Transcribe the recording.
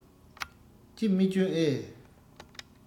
ཅི མི སྐྱོན ཨེ